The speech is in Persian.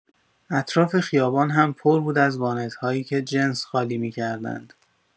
اطراف خیابان هم پر بود از وانت‌هایی که جنس خالی می‌کردند.